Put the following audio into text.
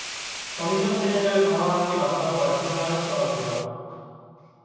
검인정 체제를 강화하는 게 맞다라고 말씀을 하시더라고요